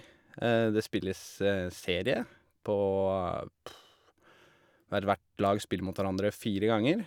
Det spilles serie på hver Hvert lag spiller mot hverandre fire ganger.